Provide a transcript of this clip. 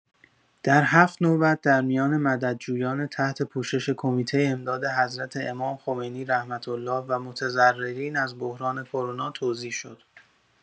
در ۷ نوبت در میان مددجویان تحت پوشش کمیته امداد حضرت امام‌خمینی (ره) و متضررین از بحران کرونا توزیع شد.